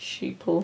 Sheeple?